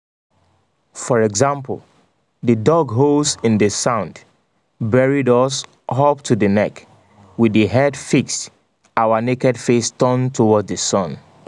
For example, they dug holes in the sand, buried us up to the neck, with the head fixed, our naked face turned toward the sun.